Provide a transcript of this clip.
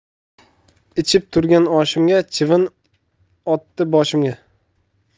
ichib turgan oshimga chivin otdi boshimga